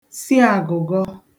si àgụ̀gọ